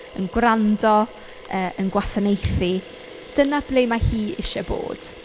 Yn gwrando, yy yn gwasanaethu, dyna ble ma' hi isie bod.